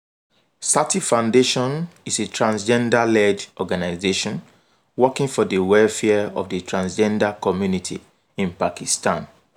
Sathi Foundation is a transgender-led organization working for the welfare of the transgender community in Pakistan.